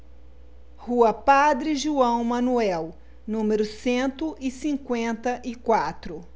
rua padre joão manuel número cento e cinquenta e quatro